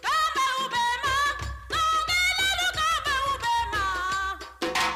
Maa' mɛ mɛ maa kelen tile ka' bɛ fɛ